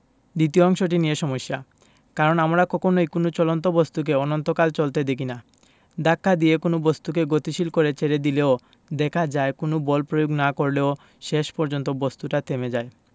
দ্বিতীয় অংশটি নিয়ে সমস্যা কারণ আমরা কখনোই কোনো চলন্ত বস্তুকে অনন্তকাল চলতে দেখি না ধাক্কা দিয়ে কোনো বস্তুকে গতিশীল করে ছেড়ে দিলেও দেখা যায় কোনো বল প্রয়োগ না করলেও শেষ পর্যন্ত বস্তুটা থেমে যায়